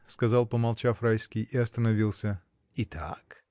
— сказал, помолчав, Райский и остановился. — Итак?.